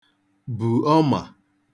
bù ọmà